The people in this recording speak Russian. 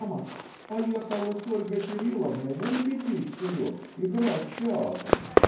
мама "поехала с Ольгой Кирилловной на репетицию играть театр"